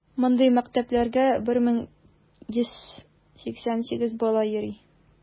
Мондый мәктәпләргә 1188 бала йөри.